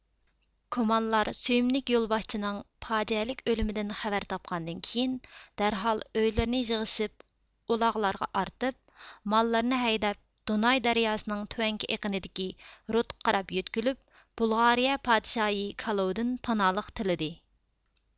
كومانلار سۆيۈملۈك يولباشچىنىڭ پاجئەلىك ئۆلۈمىدىن خەۋەر تاپقاندىن كېيىن دەرھال ئۆيلىرىنى يىغىشىپ ئۇلاغلارغا ئارتىپ ماللىرىنى ھەيدەپ دوناي دەرياسىنىڭ تۆۋەنكى ئېقىنىدىكى رودقا قاراپ يۆتكىلىپ بۇلغارىيە پادىشاھى كالۇدىن پاناھلىق تىلىدى